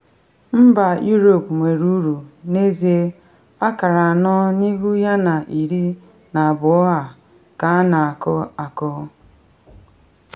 Mba Europe nwere uru, n’ezie, akara anọ n’ihu yana iri na abụọ a ka na-akụ akụ.